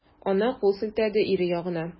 Ана кул селтәде ире ягына.